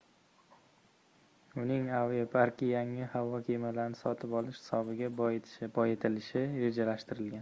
uning aviaparki yangi havo kemalarini sotib olish hisobiga boyitilishi rejalashtirilgan